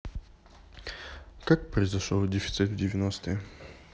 как произошел дефицит в девяностые